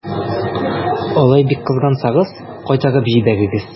Алай бик кызгансагыз, кайтарып җибәрегез.